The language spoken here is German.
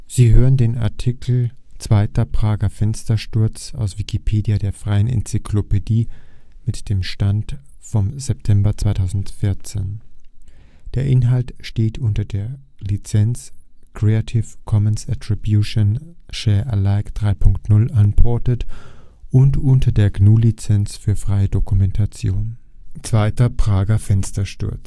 Sie hören den Artikel Zweiter Prager Fenstersturz, aus Wikipedia, der freien Enzyklopädie. Mit dem Stand vom Der Inhalt steht unter der Lizenz Creative Commons Attribution Share Alike 3 Punkt 0 Unported und unter der GNU Lizenz für freie Dokumentation. Eine nicht zeitgenössische Darstellung des Fenstersturzes aus dem Theatrum Europaeum. Der